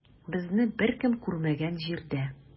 Безне беркем күрмәгән җирдә.